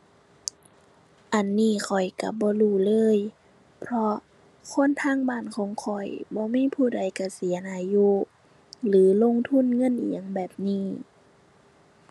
อันนี้ข้อยก็บ่รู้เลยเพราะคนทางบ้านของข้อยบ่มีผู้ใดเกษียณอายุหรือลงทุนเงินอิหยังแบบนี้